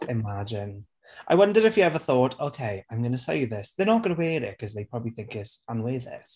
Imagine. I wondered if he ever thought "okay, I'm going to say you this. They're not going to air this because they probably think it's anweddus.